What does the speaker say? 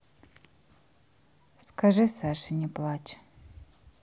скажи саше не плачь